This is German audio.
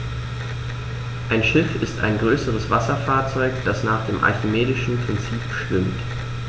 Ein Schiff ist ein größeres Wasserfahrzeug, das nach dem archimedischen Prinzip schwimmt.